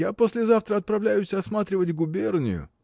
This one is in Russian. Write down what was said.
Я послезавтра отправляюсь осматривать губернию.